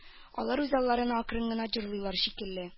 Алар үз алларына акрын гына җырлыйлар шикелле